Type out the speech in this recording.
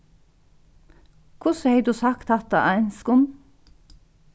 hvussu hevði tú sagt hatta á enskum